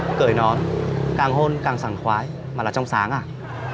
cởi nón càng hôn càng sảng khoái mà là trong sáng à